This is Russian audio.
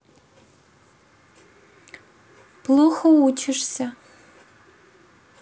плохо учишься